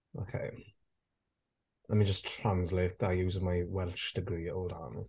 Ok let me just translate that using my Welsh degree, hold on.